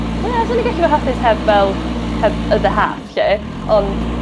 ie swn i gallu fod hapus heb fel heb other half 'lly. Ond